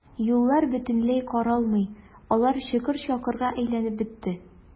Юллар бөтенләй каралмый, алар чокыр-чакырга әйләнеп бетте.